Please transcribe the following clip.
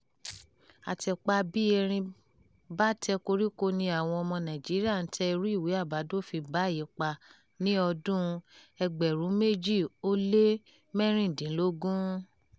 Àtẹ̀pa bí erín bá tẹ koríko ni àwọn ọmọ Nàìjíríà tẹ irú ìwé àbádòfin báyìí pa ní ọdún-un 2016.